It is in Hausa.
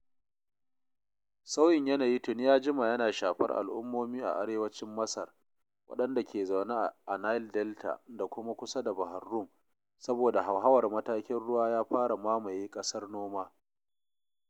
Sauyin yanayi tuni ya jima yana shafar al’ummomi a arewacin Masar, waɗanda ke zaune a Nile Delta da kuma kusa da Bahar Rum, saboda hauhawar matakin ruwa ya fara mamaye ƙasar noma.